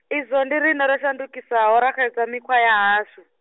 izwo ndi riṋe ro shandukisaho ra xedza mikhwa ya hashu.